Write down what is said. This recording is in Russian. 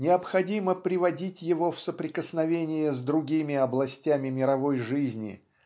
необходимо приводить его в соприкосновение с другими областями мировой жизни.